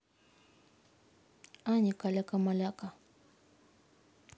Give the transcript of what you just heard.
аня каляка маляка